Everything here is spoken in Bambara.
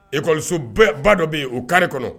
Ikɔso ba dɔ bɛ yen o kari kɔnɔ